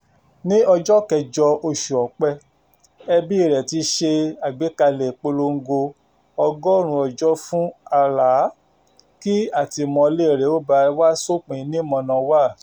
Ní ọjọ́ 8 oṣù Ọ̀pẹ, ẹbíi rẹ̀ ti ṣe àgbékalẹ̀ ìpolongo –"100 ọjọ́ fún Alaa" — kí àtìmọ́lée rẹ̀ ó ba wá s'ópin ní mọnawáà.